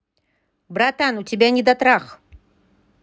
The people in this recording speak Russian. братан у тебя недотрах